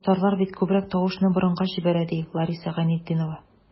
Татарлар бит күбрәк тавышны борынга җибәрә, ди Лариса Гайнетдинова.